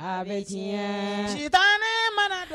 A bɛ diɲɛtan ma